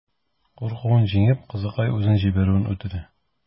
Куркуын җиңеп, кызыкай үзен җибәрүен үтенә.